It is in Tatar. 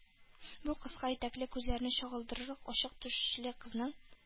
Бу кыска итәкле, күзләрне чагылдырырлык ачык түшле кызның